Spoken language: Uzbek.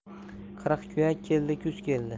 qirqkuyak keldi kuz keldi